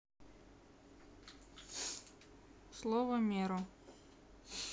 слово меро